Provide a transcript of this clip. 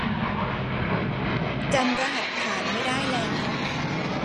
จำรหัสผ่านไม่ได้แล้ว